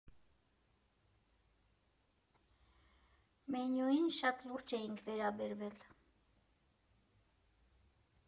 Մենյուին շատ լուրջ էինք վերաբերվել։